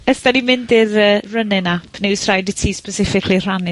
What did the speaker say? Os 'dan ni'n mynd i'r, yy, Running App, neu o's raid i ti specifically rhannu